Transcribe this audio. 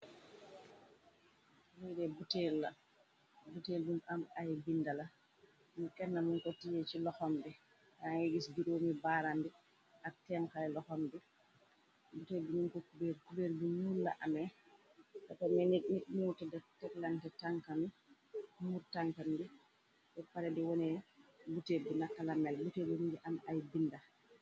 Riide buteel bu am ay binda la mu kennamun ko tie ci loxom bi rangé gis giróomi baarambi ak tenxay loxom bi bute biñu ko kubéer kubeer bi ñur la amee sata mini ni niwte da teklante tankami mur tankan bi yep pale di wone buteb bi nakalamel butebiñ ngi am ay binda.